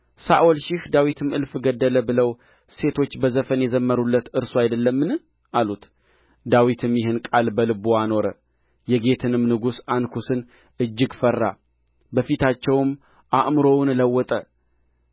ሳኦል ሺህ ዳዊትም እልፍ ገደለ ብለው ሴቶች በዘፈን የዘመሩለት እርሱ አይደለምን አሉት ዳዊትም ይህን ቃል በልቡ አኖረ የጌትንም ንጉሥ አንኩስን እጅግ ፈራ በፊታቸውም አእምሮውን ለወጠ